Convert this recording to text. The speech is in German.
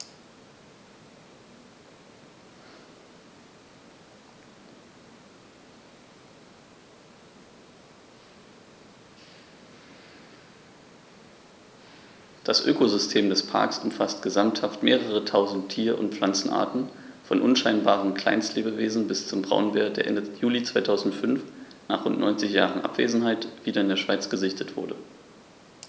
Das Ökosystem des Parks umfasst gesamthaft mehrere tausend Tier- und Pflanzenarten, von unscheinbaren Kleinstlebewesen bis zum Braunbär, der Ende Juli 2005, nach rund 90 Jahren Abwesenheit, wieder in der Schweiz gesichtet wurde.